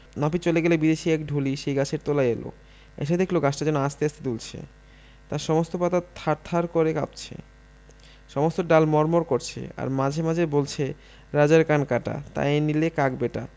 নাপিত চলে গেলে বিদেশী এক ঢুলি সেই গাছের তলায় এল এসে দেখলে গাছটা যেন আস্তে দুলছে তার সমস্ত পাতা থারথার করে কাঁপছে সমস্ত ডাল মড়মড় করছে আর মাঝে মাঝে বলছে রাজার কান কাটা তাই নিলে কাক ব্যাটা